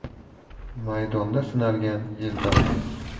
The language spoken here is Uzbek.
maydonda sinalgan elda aziz